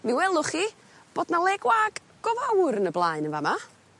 Mi welwch chi bod 'na le gwag go faŵr yn y blaen yn fa' 'ma.